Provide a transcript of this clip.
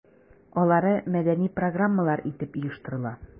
Алары мәдәни программалар итеп оештырыла.